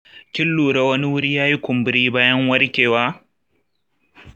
kin lura wani wuri yayi kumburi bayan warkewa?